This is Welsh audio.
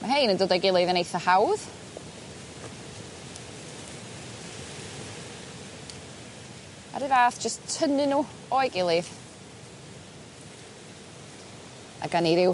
Ma' rhein yn dod o'i gilydd yn eitha hawdd, a run fath jyst tynnu n'w o'i gilydd a ga' ni ryw